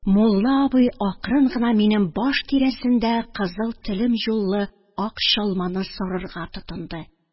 Мулла абый акрын гына минем баш тирәсендә кызыл телемҗуллы ак чалманы сарырга тотынды.